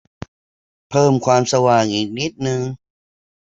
เพิ่มความสว่างอีกนิดนึง